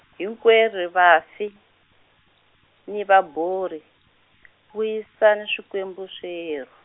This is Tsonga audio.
hinkwenu vafi, ni vaboli, vuyisani xikwembu xerhu.